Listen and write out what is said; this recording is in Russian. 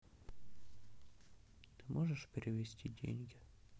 ты можешь перевести деньги